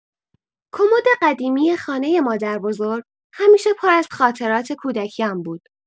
کمد قدیمی خانه مادربزرگ همیشه پر از خاطرات کودکی‌ام بود.